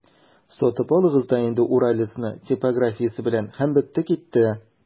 Сатып алыгыз да инде «Уралец»ны типографиясе белән, һәм бетте-китте!